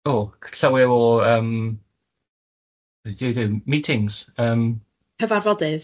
o, llawer o yym meetings yym ddim ddim... Cyfarfodydd?